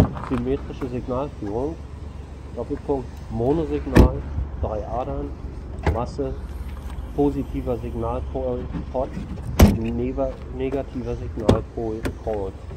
Symmetrische Signalführung: Monosignal, drei Adern: Masse, positiver Signalpol „ Hot “, negativer Signalpol „ Cold